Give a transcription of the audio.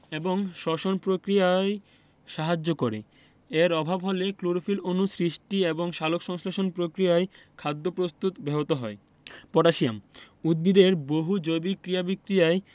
এবং শ্বসন প্রক্রিয়ায় সাহায্য করে এর অভাব হলে ক্লোরোফিল অণু সৃষ্টি এবং সালোকসংশ্লেষণ প্রক্রিয়ায় খাদ্য প্রস্তুত ব্যাহত হবে পটাশিয়াম উদ্ভিদের বহু জৈবিক ক্রিয়া বিক্রিয়ায়